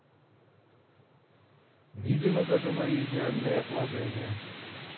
видимо даже мои идеальные отложения